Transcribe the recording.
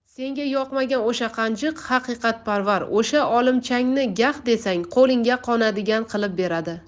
senga yoqmagan o'sha qanjiq haqiqatparvar o'sha olimchangni gah desang qo'lingga qo'nadigan qilib berdi